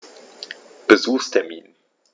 Besuchstermin